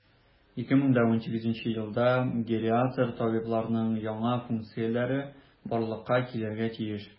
2018 елда гериатр табибларның яңа функцияләре барлыкка килергә тиеш.